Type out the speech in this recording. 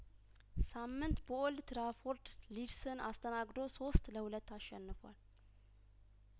ሳምንት በኦልድ ትራፎርድ ሊድስን አስተናግዶ ሶስት ለሁለት አሸንፏል